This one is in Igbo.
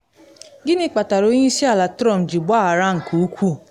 Gịnị kpatara Onye Isi Ala Trump ji gbaghara nke ukwuu?